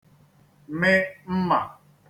-mi mmà